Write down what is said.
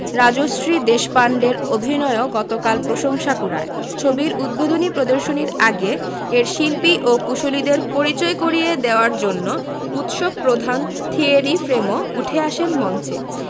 রাজশ্রী দেশপান্ডের অভিনয়ও গতকাল প্রশংসা কুড়ায় ছবির উদ্বোধনী প্রদর্শনীর আগে এর শিল্পী ও কুশলীদের পরিচয় করিয়ে দেওয়ার জন্য উৎসব প্রধান থিয়েরি ফ্রেমো উঠে আসেন মঞ্চে